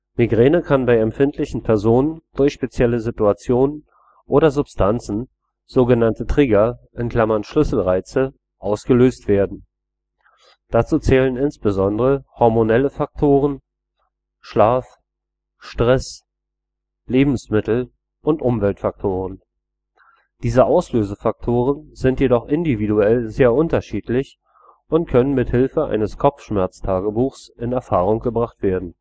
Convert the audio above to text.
Migräne kann bei empfindlichen Personen durch spezielle Situationen oder Substanzen, sogenannte Trigger (Schlüsselreize), ausgelöst werden. Dazu zählen insbesondere hormonelle Faktoren, Schlaf, Stress, Lebensmittel und Umweltfaktoren. Diese Auslösefaktoren sind jedoch individuell sehr unterschiedlich und können mit Hilfe eines Kopfschmerztagebuchs in Erfahrung gebracht werden